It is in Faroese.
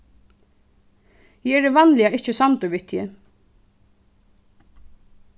eg eri vanliga ikki samdur við teg